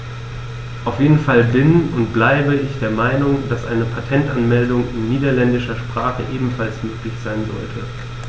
Auf jeden Fall bin - und bleibe - ich der Meinung, dass eine Patentanmeldung in niederländischer Sprache ebenfalls möglich sein sollte.